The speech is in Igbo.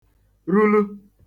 rulu